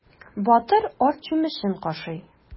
Батыр арт чүмечен кашый.